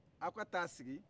aw ka t'aw sigi